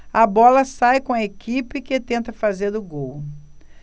a bola sai com a equipe que tenta fazer o gol